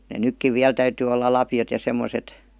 ne nytkin vielä täytyy olla lapiot ja semmoiset